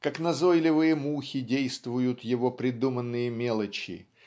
как назойливые мухи, действуют его придуманные мелочи